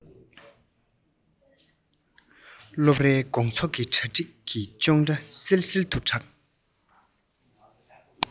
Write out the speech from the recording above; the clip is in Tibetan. སློབ རའི དགོང ཚོགས ཀྱི གྲ སྒྲིག གི ཅོང སྒྲ སིང སིང དུ གྲགས